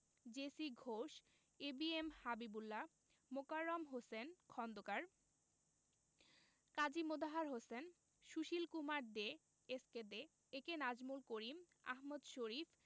J C Ghosh A B M Habibullah Mokarram Hossain Khondkar Kazi Motahar Hossain Sushil Kumar De S K De A K Nazmul Karim Ahmed Sharif